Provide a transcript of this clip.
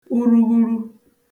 urughuru